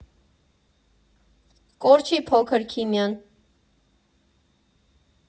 Կորչի՜ փոքր քիմիան։